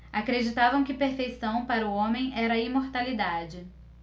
acreditavam que perfeição para o homem era a imortalidade